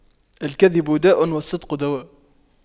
الكذب داء والصدق دواء